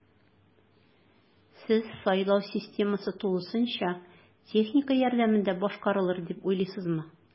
Сез сайлау системасы тулысынча техника ярдәмендә башкарарылыр дип уйлыйсызмы?